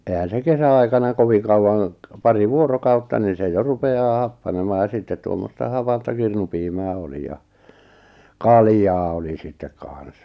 eihän se kesäaikana kovin kauan pari vuorokautta niin se jo rupeaa happanemaan ja sitten tuommoista hapanta kirnupiimää oli ja kaljaa oli sitten kanssa